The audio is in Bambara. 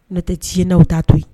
Ne tɛ ci ye n'aw taa to yen